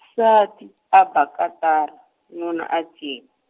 nsati, a ba katara, nuna a cina .